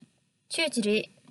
མཆོད ཀྱི རེད